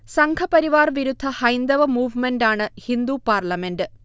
സംഘപരിവാർ വിരുദ്ധ ഹൈന്ദവ മൂവ്മെന്റാണ് ഹിന്ദു പാർലമെന്റ്